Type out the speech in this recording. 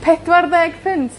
Pedwar ddeg punt?